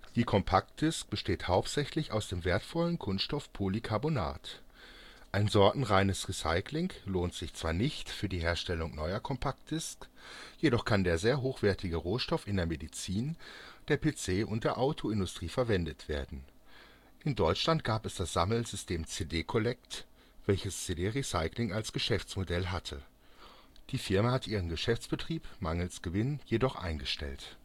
Die Compact-Disc besteht hauptsächlich aus dem wertvollen Kunststoff Polycarbonat. Ein sortenreines Recycling lohnt sich zwar nicht für die Herstellung neuer Compact Discs, jedoch kann der sehr hochwertige Rohstoff in der Medizin, der PC - und der Autoindustrie verwendet werden. In Deutschland gab es das Sammelsystem CD-Collect, welches CD-Recycling als Geschäftsmodell hatte. Die Firma hat ihren Geschäftsbetrieb mangels Gewinn jedoch eingestellt